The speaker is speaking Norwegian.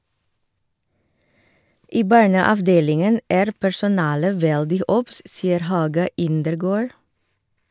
I barneavdelingen er personalet veldig obs, sier Haga Indergaard.